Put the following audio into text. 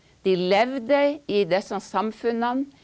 de levde i disse samfunnene.